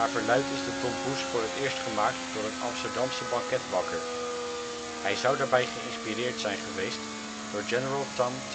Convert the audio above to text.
verluidt is de tompoes voor het eerst gemaakt door een Amsterdamse banketbakker. Hij zou daarbij geïnspireerd zijn geweest door General Tom Thumb